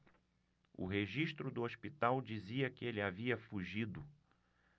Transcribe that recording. o registro do hospital dizia que ele havia fugido